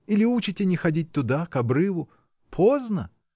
Или учите не ходить туда, к обрыву. Поздно!